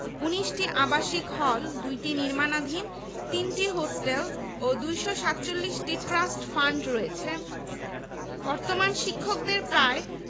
দুই তৃতীয়াংশ Europe America Asia এবং অস্ট্রেলিয়ার বিভিন্ন বিশ্ববিদ্যালয় থেকে ডিগ্রিপ্রাপ্ত অনেকেই শিক্ষাক্ষেত্রে বিশেষ অবদানের জন্য আন্তর্জাতিক খ্যাতি অর্জন করেছেন